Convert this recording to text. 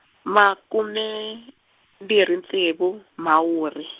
makume, mbirhi ntsevu, Mhawuri.